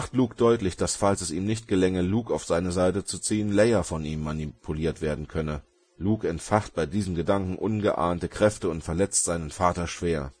Luke deutlich, dass, falls es ihm nicht gelänge, Luke auf seine Seite zu ziehen, Leia von ihm manipuliert werden könne. Luke entfacht bei diesem Gedanken ungeahnte Kräfte und verletzt seinen Vater schwer